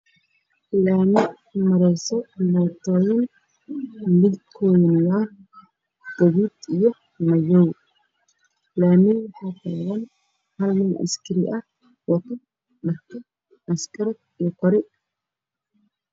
Meeshaan waxaa ka muuqda bajaajyo fara badan